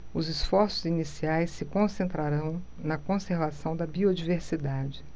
os esforços iniciais se concentrarão na conservação da biodiversidade